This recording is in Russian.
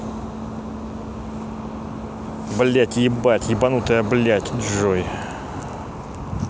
блять ебать ебанутая блядь джой